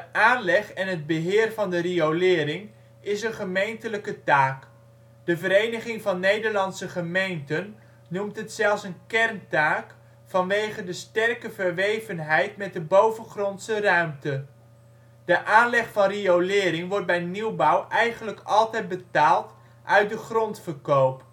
aanleg en het beheer van de riolering is een gemeentelijke taak. De Vereniging van Nederlandse Gemeenten noemt het zelfs een kerntaak vanwege de sterke verwevenheid met de bovengrondse ruimte. De aanleg van riolering wordt bij nieuwbouw eigenlijk altijd betaald uit de grondverkoop